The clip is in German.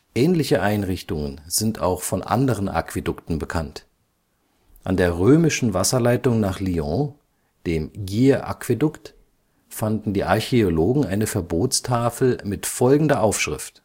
Ähnliche Einrichtungen sind auch von anderen Aquädukten bekannt. An der römischen Wasserleitung nach Lyon, dem Gier-Aquädukt, fanden die Archäologen eine Verbotstafel mit folgender Aufschrift